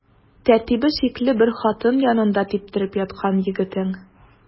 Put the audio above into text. Тәртибе шикле бер хатын янында типтереп яткан егетең.